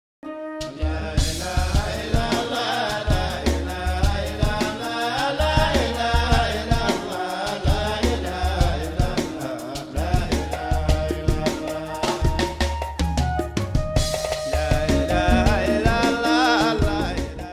Laban